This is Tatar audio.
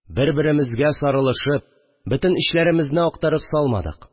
Бер-беремезгә сарылышып, бөтен эчләремезне актарып салмадык